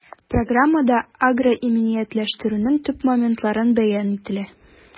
Программада агроиминиятләштерүнең төп моментлары бәян ителә.